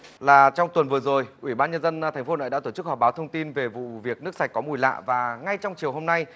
là trong tuần vừa rồi ủy ban nhân dân thành phố này đã tổ chức họp báo thông tin về vụ việc nước sạch có mùi lạ và ngay trong chiều hôm nay